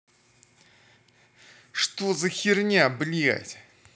что за херня блядь